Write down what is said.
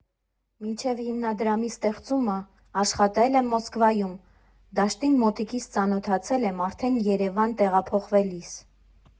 Մինչև հիմնադրամի ստեղծումը աշխատել եմ Մոսկվայում, դաշտին մոտիկից ծանոթացել եմ արդեն Երևան տեղափոխվելիս։